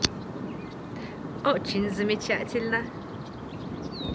очень замечательно